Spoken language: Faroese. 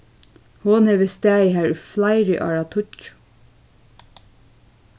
hon hevur staðið har í fleiri áratíggju